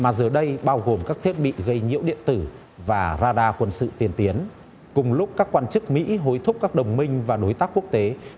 mà giờ đây bao gồm các thiết bị gây nhiễu điện tử và radar quân sự tiên tiến cùng lúc các quan chức mỹ hối thúc các đồng minh và đối tác quốc tế